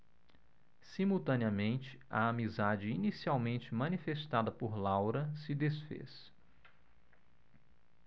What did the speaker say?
simultaneamente a amizade inicialmente manifestada por laura se disfez